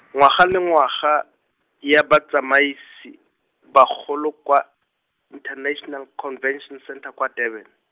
ngwaga le ngwaga, ya Batsamaisi, bagolo kwa, International Convention Centre kwa Durban.